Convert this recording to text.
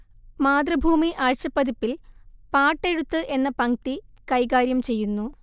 മാതൃഭൂമി ആഴ്ചപ്പതിപ്പിൽ പാട്ടെഴുത്ത് എന്ന പംക്തി കൈകാര്യം ചെയ്യുന്നു